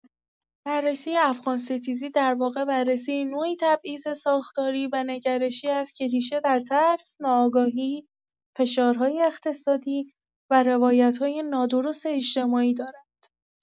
بررسی افغان‌ستیزی، در واقع بررسی نوعی تبعیض ساختاری و نگرشی است که ریشه در ترس، ناآگاهی، فشارهای اقتصادی و روایت‌های نادرست اجتماعی دارد.